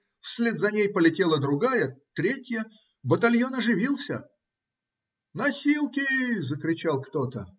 Вслед за ней полетела другая, третья. Батальон оживился. - Носилки! - закричал кто-то.